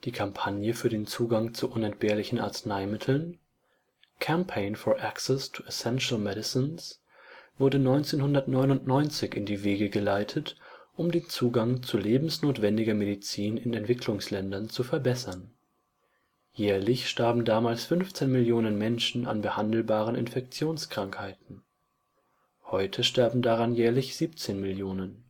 Kampagne für den Zugang zu unentbehrlichen Arzneimitteln (Campaign for access to essential Medicins) wurde 1999 in die Wege geleitet, um den Zugang zu lebensnotwendiger Medizin in Entwicklungsländern zu verbessern. Jährlich starben damals 15 Millionen Menschen an behandelbaren Infektionskrankheiten (Heute sterben daran jährlich 17 Millionen